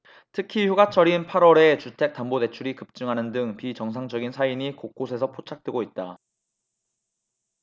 특히 휴가철인 팔 월에 주택담보대출이 급증하는 등 비정상적인 사인이 곳곳에서 포착되고 있다